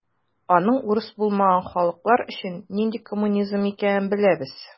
Аның урыс булмаган халыклар өчен нинди коммунизм икәнен беләбез.